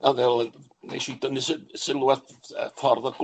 A fel y... wnes i dynnu sy- sylw at yy ffordd o'dd